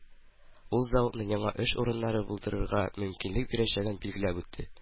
Ул заводның яңа эш урыннары булдырырга мөмкинлек бирәчәген билгеләп үтте